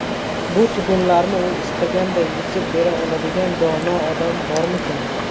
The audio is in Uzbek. bu tugunlarni u istaganday yechib bera oladigan dono odam bormikin